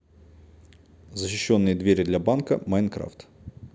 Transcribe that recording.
защищенные двери для банка minecraft